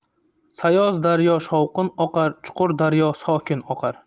sayoz daryo shovqin oqar chuqur daryo sokin oqar